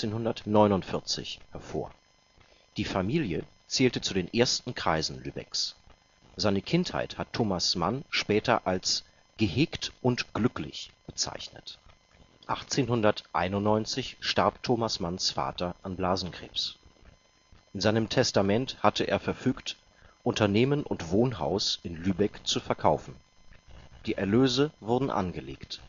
1949) hervor. Die Familie zählte zu den ersten Kreisen Lübecks. Seine Kindheit hat Thomas Mann später als „ gehegt und glücklich “bezeichnet. 1891 starb Thomas Manns Vater an Blasenkrebs. In seinem Testament hatte er verfügt, Unternehmen und Wohnhaus in Lübeck zu verkaufen. Die Erlöse wurden angelegt